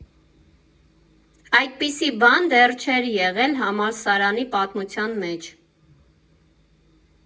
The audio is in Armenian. Այդպիսի բան դեռ չէր եղել համալսարանի պատմության մեջ։